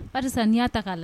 Barisa n'i y'a ta ka lajɛ